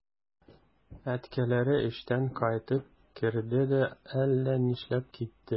Әткәләре эштән кайтып керде дә әллә нишләп китте.